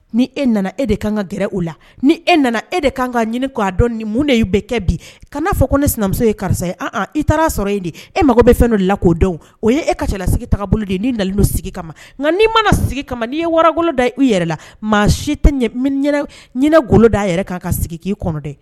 Ni e nana e de ka kan ka gɛrɛ u la ni e nana e de kan ka ɲinin k'a dɔn ni mun de y'u bɛɛ kɛ bi kana'a fɔ ko ne sinamuso ye karisa ye i taara y' sɔrɔ e di e mago bɛ fɛn' la k'denw o ye e ka cɛlala sigita bolo de ye ni na sigi kama nka n'i mana sigi kama n'i ye wara wolo da u yɛrɛ la maa si tɛ ɲgolo da' a yɛrɛ' ka sigi k ii kɔnɔ dɛ